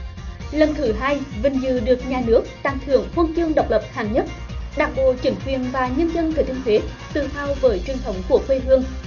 lần thứ hai vinh dự được nhà nước tặng thưởng huân chương độc lập hạng nhất đảng bộ chính quyền và nhân dân thừa thiên huế tự hào với truyền thống của quê hương